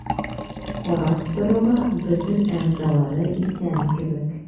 Карап торуга бөтен әгъзалары исән кебек.